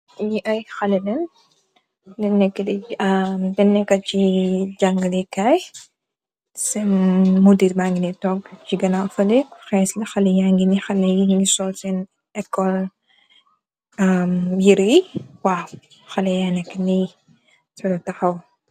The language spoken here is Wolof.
Nye aye khaleh len denj neka si palasi jange kai sen modir bi munge tog si ganaw faleh khaleh yi nyunge sul sen ecole yerreh. khaleh yaneka ni nyunge tahaw.